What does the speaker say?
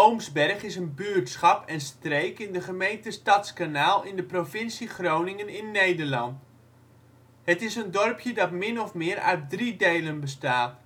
Oomsberg is een buurtschap en streek in de gemeente Stadskanaal in de provincie Groningen (Nederland). Het is een dorpje dat min of meer uit drie delen bestaat